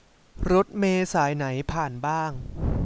รถเมล์สายไหนผ่านบ้าง